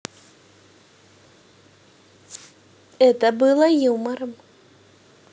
это было юмором